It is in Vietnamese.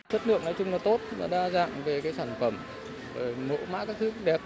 chất lượng nói chung là tốt và đa dạng về cái sản phẩm mẫu mã đẹp